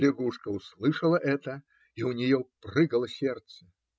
Лягушка услышала это, и у нее прыгало сердце.